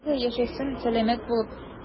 Әйдә, яшәсен сәламәт булып.